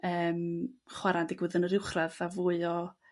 yrm chwara'n digwydd yn yr uwchradd a fwy o